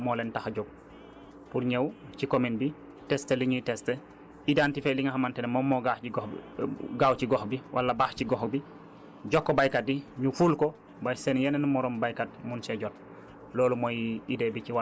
donc programme yi loolu moo leen tax a jóg pour ñëw ci commune bi tester li ñuy tester identifier li nga xamante ne moom moo baax ci gox bi gaaw ci gox bi wala baax ci gox bi jox ko baykat yi ñu ful ko ba seen yeneen i moroom baykat mën cee jot